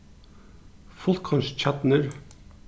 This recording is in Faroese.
fullkornskjarnur